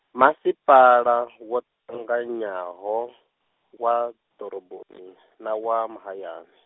masipala, wo ṱanganyaho, wa ḓoroboni, na wa mahayani.